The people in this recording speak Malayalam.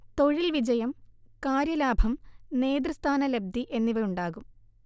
തൊഴിൽ വിജയം, കാര്യലാഭം, നേതൃസ്ഥാനലബ്ധി എന്നിവ ഉണ്ടാകും